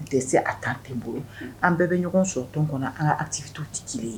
Dɛsɛ a temps ti n bolo. An bɛɛ bɛ ɲɔgɔn sɔrɔ tɔn kɔnɔ an ka activités ti kelen ye